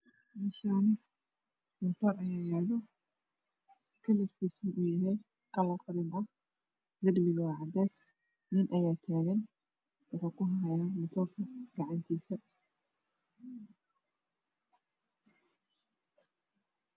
Meshani matoor aya yalo kalarkisa u yahy kalar qalin ah darbiga waa cades nin aya tagan wuxu ku haya matorka gacantisa